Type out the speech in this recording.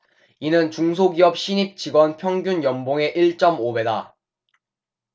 이는 중소기업 신입 직원 평균 연봉의 일 쩜 오 배다